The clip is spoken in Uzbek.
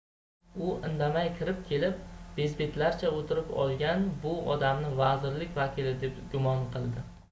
u indamay kirib kelib bezbetlarcha o'tirib olgan bu odamni vazirlik vakili deb gumon qildi